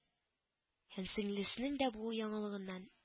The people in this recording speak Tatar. Һәм сеңлесенең дә бу яңалыгыннан